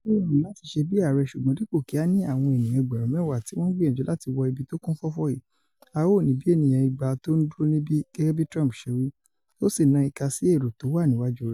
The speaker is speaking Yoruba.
Ó rọrùn láti ṣe bí ààrẹ, sùgbọ́n dípò ki a ní àwọn ènìyàń ẹgbẹ̀rún mẹ́wàá ti woń ńgbìyànjú láti wọ ibi tó kún fọ́fọ́ yìí, a ó ní bíi ènìyàn igba tó ńdúró níbí,'' gẹgẹ bíi Trump ṣe wí, ósi ́na ìka sì èrò tówà níwájú rẹ̀.